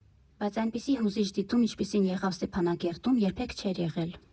Բայց այնպիսի հուզիչ դիտում, ինչպիսին եղավ Ստեփանակերտում, երբեք չէր եղել։